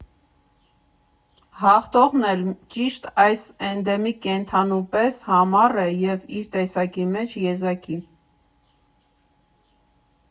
Հաղթողն էլ ճիշտ այս էնդեմիկ կենդանու պես համառ է և իր տեսակի մեջ եզակի։